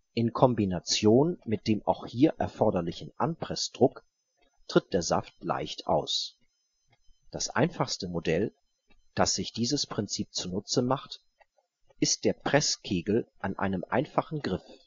In Kombination mit dem auch hier erforderlichen Anpressdruck tritt der Saft leicht aus. Das einfachste Modell, das sich dieses Prinzip zunutze macht, ist der Presskegel an einem einfachen Griff